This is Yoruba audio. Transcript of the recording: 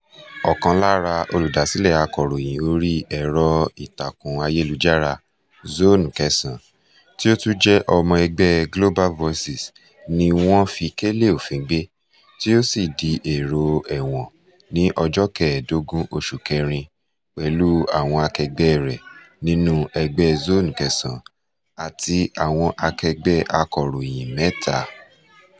Ọkàn lára olùdásílẹ̀ akọ̀ròyìn orí ẹ̀rọ ìtàkùn ayélujára Zone9 tí ó tún jẹ́ ọmọ ẹgbẹ́ Global Voices ni wọ́n fi kélé òfin gbé tí ó sì di èrò ẹ̀wọ̀n ní ọjọ́ kẹẹ̀dógún oṣù kẹrin pẹ̀lú àwọn akẹgbẹ́ rẹ̀ nínú ẹgbẹ́ Zone9 àti àwọn akẹgbẹ́ akọ̀ròyìn mẹ́ta.